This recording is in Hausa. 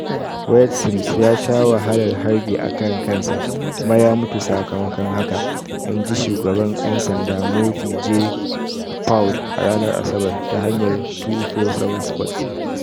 "Wayde Sims ya sha wahalar harbi a kan kansa kuma ya mutu sakamakon haka," in ji shugaban 'yan sandan Murphy J. Paul a ranar Asabar, ta hanyar 247sports.